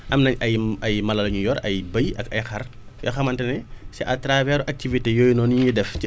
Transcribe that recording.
am nañ ay ay mala yu ñu yor ay bëy ak ay xar yoo xamante ne c' est à travers activités yooyu noonu ñuy def ci